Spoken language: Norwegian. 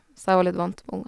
Så jeg var litt vant med unger.